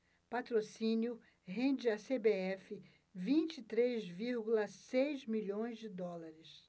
patrocínio rende à cbf vinte e três vírgula seis milhões de dólares